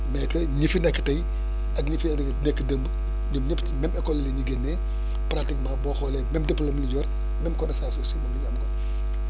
mais kay ñi fi nekk tey ak ñi fi yàgg nekk démb ñoom ñëpp ci même écoles yi la ñuy génnee pratiquement boo xoolee même diplôme yi lañ yor même connaissance aussi moom la ñu am quoi